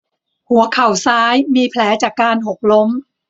หัวเข่าซ้ายมีแผลจากการหกล้ม